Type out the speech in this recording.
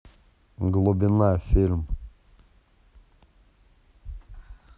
глубина фильм